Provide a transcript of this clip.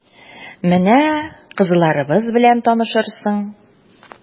Менә кызларыбыз белән танышырсың...